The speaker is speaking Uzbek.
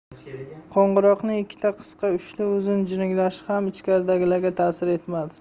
qo'ng'iroqning ikkita qisqa uchta uzun jiringlashi ham ichkaridagilarga ta'sir etmadi